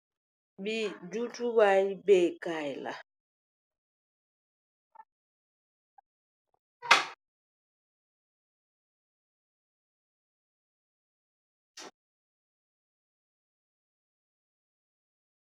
Bi Jutuway beyukaay la.